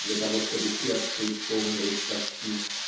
для того чтобы сердце исполнилось тоски.